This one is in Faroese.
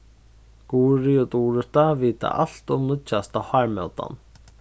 guðrið og durita vita alt um nýggjasta hármótan